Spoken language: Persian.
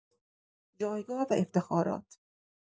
جایگاه و افتخارات